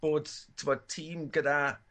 bod t'bod tîm gyda